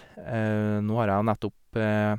Nå har jeg jo nettopp...